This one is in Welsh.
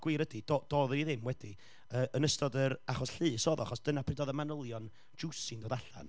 gwir ydy, do- doedd hi ddim wedi, y- yn ystod yr achos llys oedd o, achos dyna pryd oedd y manylion jiwsi'n dod allan,